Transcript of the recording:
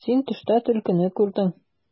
Син төштә төлкене күрдең.